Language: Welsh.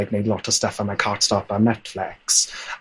like neud lot o styff am like Heart Stop ar Netfix*.